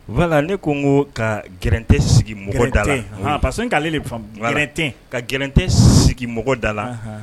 V ne ko n ko ka g tɛ sigi mɔgɔda pa k'ale det ka gɛlɛn tɛ sigi mɔgɔda la